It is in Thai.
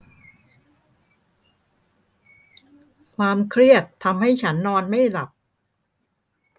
ความเครียดทำให้ฉันนอนไม่หลับ